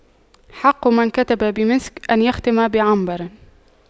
حق من كتب بمسك أن يختم بعنبر